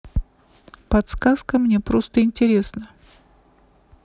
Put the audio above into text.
подсказка мне просто интересно